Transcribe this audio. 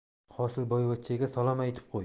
hosilboyvachchaga salom aytib qo'y